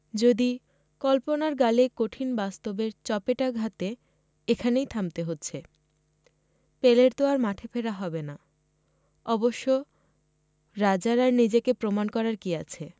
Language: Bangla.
গড়াচ্ছে মাঠে যদি কল্পনার গালে কঠিন বাস্তবের চপেটাঘাতে এখানেই থামতে হচ্ছে পেলের তো আর মাঠে ফেরা হবে না অবশ্য রাজার আর নিজেকে প্রমাণের কী আছে